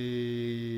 Un